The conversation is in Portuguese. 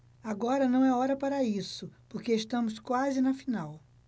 agora não é hora para isso porque estamos quase na final